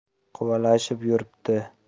quvalashib yuribdi